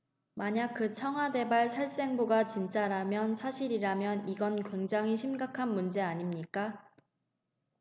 만약 그 청와대발 살생부가 진짜라면 사실이라면 이건 굉장히 심각한 문제 아닙니까